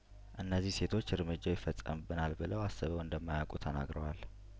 እነዚህ ሴቶች እርምጃው ይፈጸምብናል ብለው አስበው እንደማያቁ ተናግረዋል